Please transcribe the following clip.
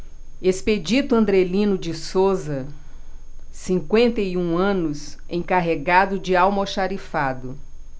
expedito andrelino de souza cinquenta e um anos encarregado de almoxarifado